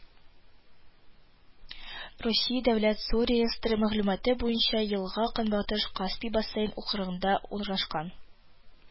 Русия дәүләт су реестры мәгълүматы буенча елга Көнбатыш Каспий бассейн округында урнашкан